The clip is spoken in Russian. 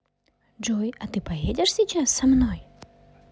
джой а ты поедешь сейчас со мной